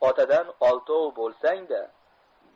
otadan oltov bo'lsang da